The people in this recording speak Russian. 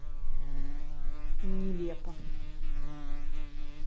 нелепо